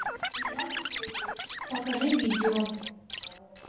покажи видео